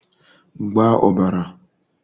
gbā ọ̀bara